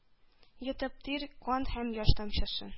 Йотып тир, кан һәм яшь тамчысын.